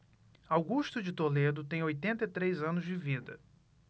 augusto de toledo tem oitenta e três anos de vida